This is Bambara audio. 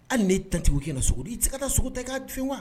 Hali n tatigiw kɛ na sogo i tɛ se ka taa sogo tɛ k'a f wa